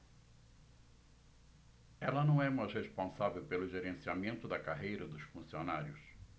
ela não é mais responsável pelo gerenciamento da carreira dos funcionários